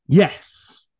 Yes.